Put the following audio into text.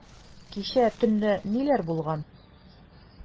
Кичә төнлә ниләр булган?